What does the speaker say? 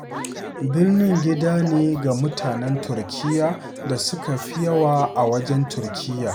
Birnin gida ne ga mutanen Turkiyya da suka fi yawa a wajen Turkiyyar.